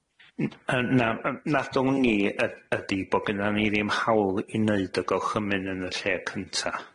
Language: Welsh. N- yy na, yy nad own i y- ydi bo' gynna ni ddim hawl i neud y gorchymyn yn y lle cynta.